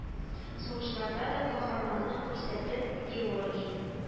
Сугышларда да каһарманлык күрсәтеп, Георгий